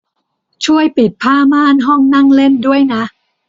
ช่วยปิดผ้าม่านห้องนั่งเล่นด้วยนะ